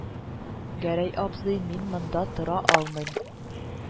– гәрәй абзый, мин монда тора алмыйм